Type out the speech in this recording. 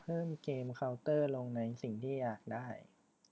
เพิ่มเกมเค้าเตอร์ลงในสิ่งที่อยากได้